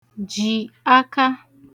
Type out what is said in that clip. jì aka